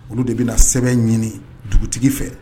Olu de bɛna na sɛbɛn ɲini dugutigi fɛ